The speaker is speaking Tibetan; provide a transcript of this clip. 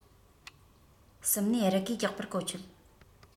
གསུམ ནས རི གས རྒྱག པར གོ ཆོད